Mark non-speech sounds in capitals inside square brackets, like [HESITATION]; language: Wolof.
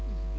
[HESITATION] [HESITATION]